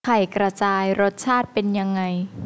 ไข่กระจายรสชาติเป็นยังไง